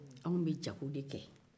anw bɛ jago de kɛ